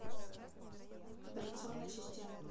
операционная система